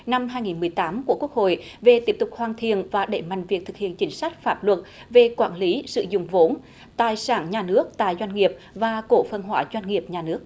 năm hai nghìn mười tám của quốc hội về tiếp tục hoàn thiện và đẩy mạnh việc thực hiện chính sách pháp luật về quản lý sử dụng vốn tài sản nhà nước tại doanh nghiệp và cổ phần hóa doanh nghiệp nhà nước